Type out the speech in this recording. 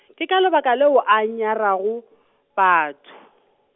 ke ka lebaka leo a nyareago, batho.